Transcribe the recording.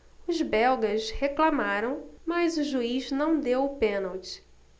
os belgas reclamaram mas o juiz não deu o pênalti